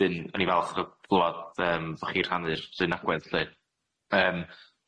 ddyn o'n i'n falch o gl'wad fod chi'n rhannu'r un agwedd lly, yym,